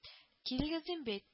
Килегез, дим бит